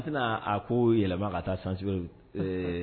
A tɛna a ko yɛlɛma ka taa san s ɛɛ